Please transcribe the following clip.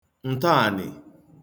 ǹtọànị̀